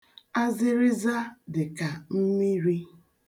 Azịrịza dị ka mmiri.